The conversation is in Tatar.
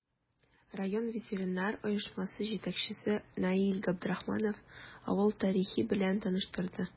Район ветераннар оешмасы җитәкчесе Наил Габдрахманов авыл тарихы белән таныштырды.